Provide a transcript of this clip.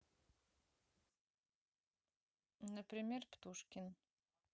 например птушкин